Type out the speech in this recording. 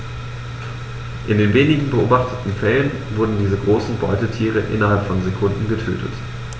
In den wenigen beobachteten Fällen wurden diese großen Beutetiere innerhalb von Sekunden getötet.